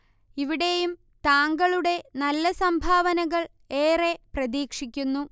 ഇവിടെയും താങ്കളുടെ നല്ല സംഭാവനകൾ ഏറെ പ്രതീക്ഷിക്കുന്നു